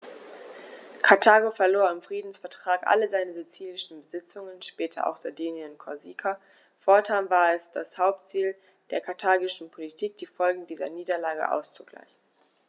Karthago verlor im Friedensvertrag alle seine sizilischen Besitzungen (später auch Sardinien und Korsika); fortan war es das Hauptziel der karthagischen Politik, die Folgen dieser Niederlage auszugleichen.